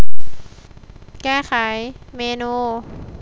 แก้ไขเมนู